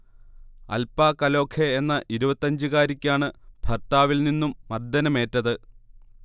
അൽപ കലോഖെ എന്ന ഇരുപത്തി അഞ്ജുകാരിക്കാണ് ഭർത്താവിൽ നിന്നും മർദ്ദനമേറ്റത്